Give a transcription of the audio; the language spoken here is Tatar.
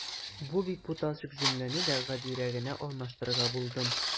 Бу бик буталчык җөмләне дә гадиерәгенә алмаштырырга булдым.